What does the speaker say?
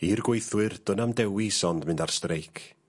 I'r gweithwyr do' na'm dewis ond mynd ar streic.